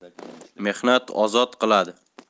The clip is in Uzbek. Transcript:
mehnat ozod qiladi